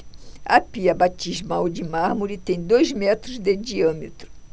a pia batismal de mármore tem dois metros de diâmetro